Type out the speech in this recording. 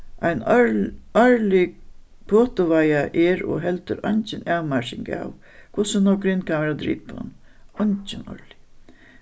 ein árlig er og heldur eingin avmarking av hvussu nógv grind kann verða dripin eingin árlig